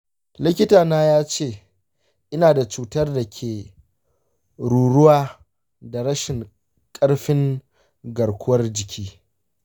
likitana ya ce ina da cutar da ke ruruwa da rashin ƙarfin garkuwar jiki.